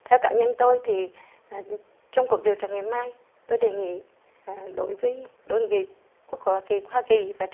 theo cá nhân tôi thì trong cuộc điều trần ngày mai tôi đề nghị đối với đơn vị quốc họa kỳ hoa kỳ và